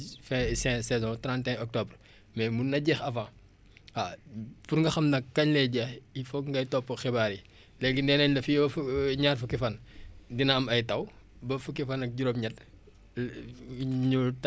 mais mun na jeex avant waaw pour nga xam nag kañ lay jeex il foog ngay topp xibaar yi léegi nee nañ la fii ba ñaar fukki fan dina am ay taw ba fukki fan ak juróom-ñett ñu taaxirlu rek def ndànk bañ a yàkkamti